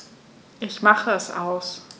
Ich mache es aus.